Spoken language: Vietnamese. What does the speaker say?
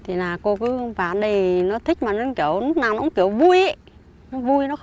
thế là cô cứ bán nề nó thích mà lúc nào nó cũng kiểu vui ý nó vui nó